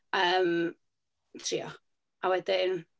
Yym, trio. A wedyn...